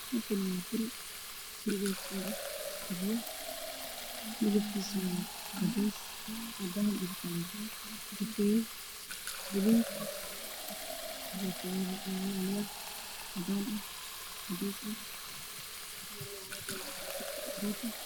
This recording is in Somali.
Halkaan waa guri qabyo ah midabkiisu waa cadeys, cadaan iyo qalin, darbiga waa buluug waxaa taalo alwaax cadaan iyo cadeys ah.